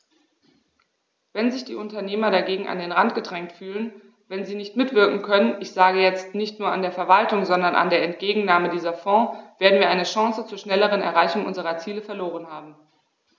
Wenn sich die Unternehmer dagegen an den Rand gedrängt fühlen, wenn sie nicht mitwirken können ich sage jetzt, nicht nur an der Verwaltung, sondern an der Entgegennahme dieser Fonds , werden wir eine Chance zur schnelleren Erreichung unserer Ziele verloren haben.